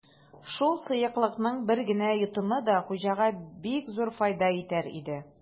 Шул сыеклыкның бер генә йотымы да хуҗага бик зур файда итәр иде.